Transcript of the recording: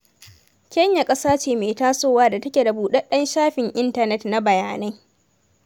Kenya ƙasa ce mai tasowa da take da buɗaɗɗen shafin intanet na bayanai.